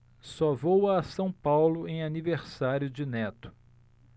só vou a são paulo em aniversário de neto